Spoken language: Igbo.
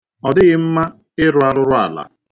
Ọ dịghị mma ịrụ arụrụala.